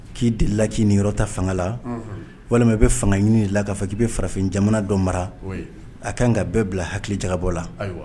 K'i delila k'i ni yɔrɔta fanga la walima i bɛ fanga ɲini la k'a fɔ ki bɛ farafin jamana dɔ mara a ka kan ka bɛɛ bila hakili jabɔ la